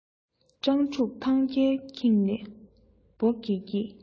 སྤྲང ཕྲུག ཐང རྒྱལ ཁེངས ནས སྦོ འགྱེད འགྱེད